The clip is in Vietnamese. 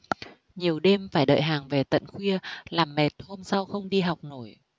nhiều đêm phải đợi hàng về tận khuya làm mệt hôm sau không đi học nổi